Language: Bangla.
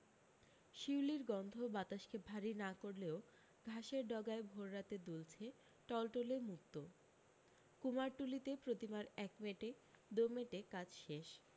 শিউলির গন্ধ বাতাসকে ভারী না করলেও ঘাসের ডগায় ভোর রাতে দুলছে টলটলে মুক্ত কুমারটুলিতে প্রতিমার একমেটে দোমেটে কাজ শেষ